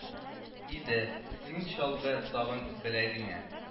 Иде , син чалгы сабын беләгеңә